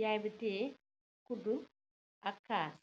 yaye be teye koudou ak kass.